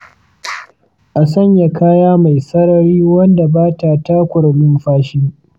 a sanya kaya mai sarari wanda ba ta takura numfashi.